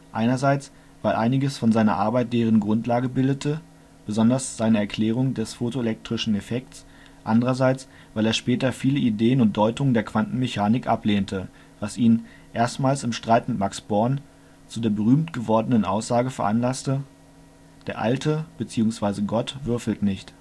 einerseits weil einiges von seiner Arbeit deren Grundlage bildete, besonders seine Erklärung des fotoelektrischen Effekts, andererseits weil er später viele Ideen und Deutungen der Quantenmechanik ablehnte, was ihn, erstmals im Streit mit Max Born, zu der berühmt gewordenen Aussage veranlasste: „ Der Alte (bzw. Gott) würfelt nicht